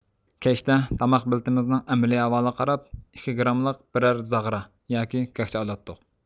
كەچتە تاماق بېلىتىمىزنىڭ ئەمەلىي ئەھۋالىغا قاراپ ئىككى گراملىق بىرەر زاغرا ياكى كاكچا ئالاتتۇق